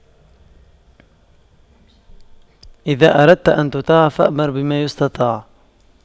إذا أردت أن تطاع فأمر بما يستطاع